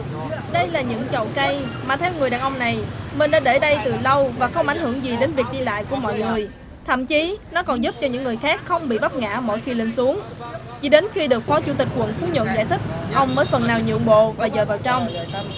đây là những chậu cây mà theo người đàn ông này mình đã để đây từ lâu và không ảnh hưởng gì đến việc đi lại của mọi người thậm chí nó còn giúp cho những người khác không bị vấp ngã mỗi khi lên xuống chỉ đến khi được phó chủ tịch quận phú nhuận giải thích ông mới phần nào nhượng bộ và dời vào trong